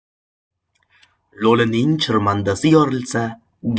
lxj'lining chirmandasi yorilsa